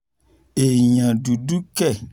Èèyàn dúdú kẹ̀?